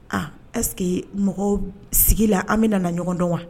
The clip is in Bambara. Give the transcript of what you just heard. Aa ɛseke mɔgɔw sigi la an bɛ nana ɲɔgɔn dɔn wa